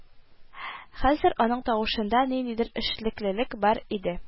Хәзер аның тавышында ниндидер эшлеклелек бар иде